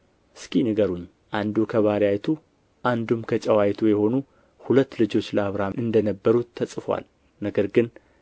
እስኪ ንገሩኝ አንዱ ከባሪያይቱ አንዱም ከጨዋይቱ የሆኑ ሁለት ልጆች ለአብርሃም እንደ ነበሩት ተጽፎአልና ነገር ግን